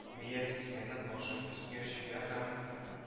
Бия сискәнеп башын өскә чөя һәм